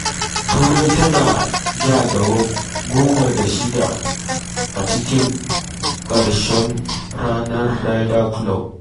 Turai tana ja gaba 10 da 6 a cikin ƙarshen ranan Ryder Cup